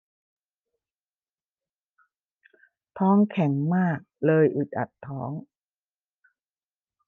ท้องแข็งมากเลยอึดอัดท้อง